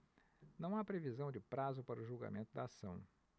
não há previsão de prazo para o julgamento da ação